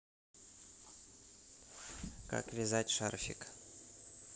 как вязать шарфик